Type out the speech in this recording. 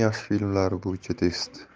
yaxshi filmlari bo'yicha test